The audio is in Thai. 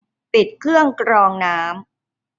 ปิดเครื่องกรองน้ำ